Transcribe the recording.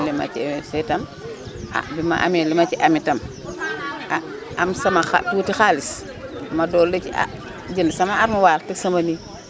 li ma ci investir itam ah bi ma amee li ma ci am itam ah am sama xa tuuti xaalis ma dolli ci ah jënd sama armoire teg sama néeg